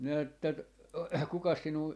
minä että - kukas sinua